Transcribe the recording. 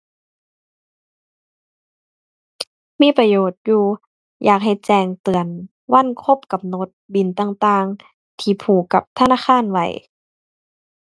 มีประโยชน์อยู่ อยากให้แจ้งเตือนวันครบกำหนดบิลต่างต่างที่ผูกกับธนาคารไว้